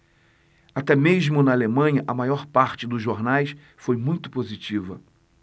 até mesmo na alemanha a maior parte dos jornais foi muito positiva